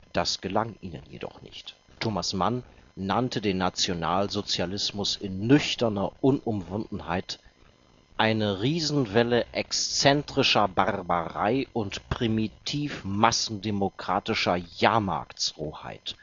Das gelang ihnen jedoch nicht. Thomas Mann nannte den Nationalsozialismus in nüchterner Unumwundenheit „ eine Riesenwelle exzentrischer Barbarei und primitiv-massendemokratischer Jahrmarktsrohheit